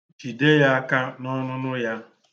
Jide ya aka n'ọnụnụ ya.